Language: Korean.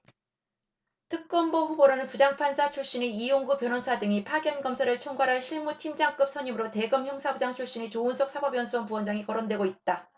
특검보 후보로는 부장판사 출신의 이용구 변호사 등이 파견검사를 총괄할 실무 팀장급 선임으로 대검 형사부장 출신의 조은석 사법연수원 부원장이 거론되고 있다